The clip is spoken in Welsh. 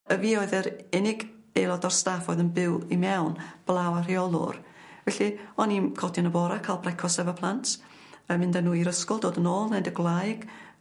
Y fi oedd yr unig aelod o staff oedd yn byw i mewn blaw y rheolwr felly o'n i'n codi yn y bora ca'l brecwast efo plant yn mynd â n'w i'r ysgol dod yn ôl neud y gwlai